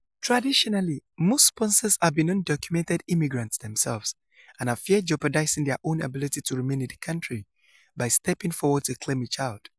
Traditionally, most sponsors have been undocumented immigrants themselves, and have feared jeopardizing their own ability to remain in the country by stepping forward to claim a child.